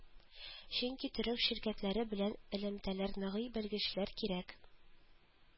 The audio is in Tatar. Чөнки төрек ширкәтләре белән элемтәләр ныгый, белгечләр кирәк